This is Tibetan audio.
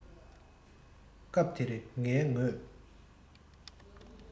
སྐབས དེར ངའི ངོས